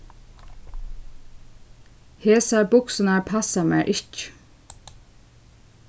hesar buksurnar passa mær ikki